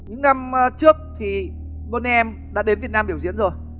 những năm trước thì bo ni em đã đến việt nam biểu diễn rồi